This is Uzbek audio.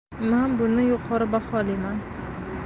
men buni yuqori baholayman